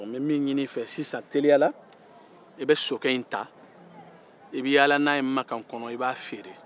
n bɛ min ɲini i fɛ sisan teliya la i be sokɛ minɛ i bɛ yaala n'a ye makan kɔnɔ i b'a feere